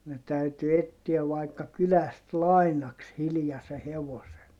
ne täytyi etsiä vaikka kylästä lainaksi hiljaisen hevosen